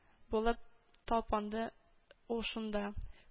Булып талпанды ул шунда